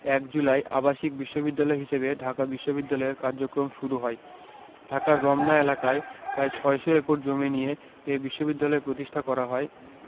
১ জুলাই আবাসিক বিশ্ববিদ্যালয় হিসেবে ঢাকা বিশ্ববিদ্যালয়ের কার্যক্রম শুরু হয় ঢাকার রমনা এলাকার প্রায় ৬০০ একর জমি নিয়ে এ বিশ্ববিদ্যালয় প্রতিষ্ঠা করা হয়